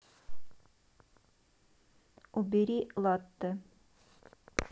убери латте